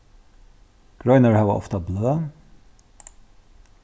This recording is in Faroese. greinar hava ofta bløð